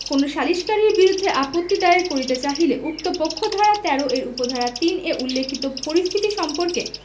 কোন সালিসকারীর বিরুদ্ধে আপত্তি দায়ের করিতে চাহিলে উক্ত পক্ষ ধারা ১৩ এর উপ ধারা ৩ এ উল্লেখিত পরিস্থিতি সম্পর্কে